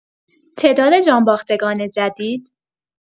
تعداد جان‌باختگان جدید